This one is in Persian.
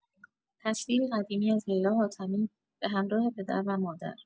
تصویری قدیمی از لیلا حاتمی، به‌همراه پدر و مادر